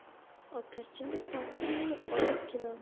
otarchini topdi yu olib kelolmadi